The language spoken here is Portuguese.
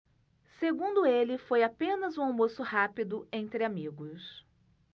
segundo ele foi apenas um almoço rápido entre amigos